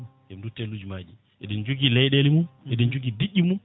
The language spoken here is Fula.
yooɓe dutto e lijumaji ɗi eɗen jogui leyɗele mumeɗen jogui diƴƴe mum